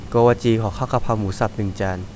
โกวาจีขอข้าวกะเพราหมูสับหนึ่งจาน